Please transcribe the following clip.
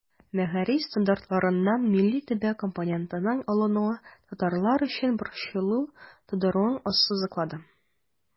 Мәгариф стандартларыннан милли-төбәк компонентының алынуы татарлар өчен борчылу тудыруын ассызыклады.